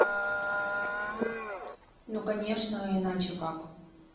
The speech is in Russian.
ну конечно а иначе как